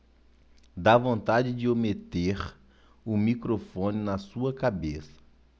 dá vontade de eu meter o microfone na sua cabeça